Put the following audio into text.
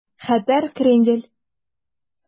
Хәтәр крендель